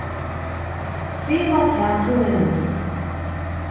skriva tað tú minnist